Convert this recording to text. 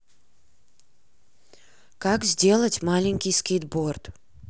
как сделать маленький скейтборд